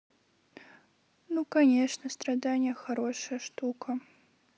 ну конечно страдания хорошая штука